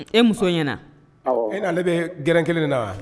E muso ɲɛna e na ne bɛ grɛn kelen de na wa